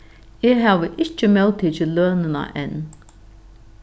eg havi ikki móttikið lønina enn